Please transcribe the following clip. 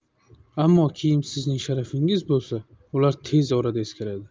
ammo kiyim sizning sharafingiz bo'lsa ular tez orada eskiradi